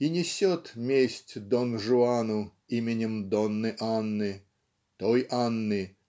и несет месть Дон Жуану именем Донны Анны той Анны